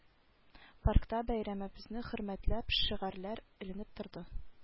Паркта бәйрәмебезне хөрмәтләп шигарләр эленеп торды